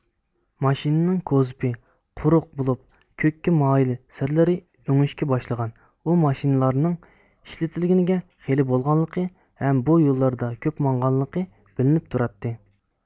ماشىنىنىڭ كوزۇپى قۇرۇق بولۇپ كۆككە مايىل سىرلىرى ئۆڭۈشكە باشلىغان ئۇ ماشىنىلارنىڭ ئىشلىتىلگىنىگە خېلى بولغانلىقى ھەم بۇ يوللاردا كۆپ ماڭغانلىقى بىلىنىپ تۇراتتى